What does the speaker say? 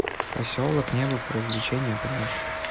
поселок небо развлечение пляж